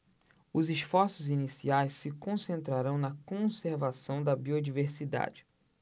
os esforços iniciais se concentrarão na conservação da biodiversidade